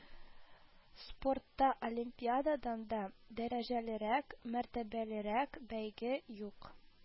Спортта Олимпиададан да дәрәҗәлерәк, мәртәбәлерәк бәйге юк